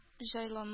Җайланма